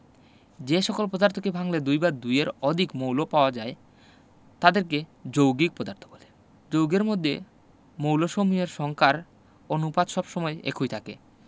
যে সকল পদার্থকে ভাঙলে দুই বা দুইয়ের অধিক মৌল পাওয়া যায় তাদেরকে যৌগিক পদার্থ বলে যৌগের মধ্যে মৌলসমূহের সংখ্যার অনুপাত সব সময় একই থাকে